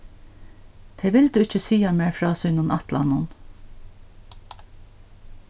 tey vildu ikki siga mær frá sínum ætlanum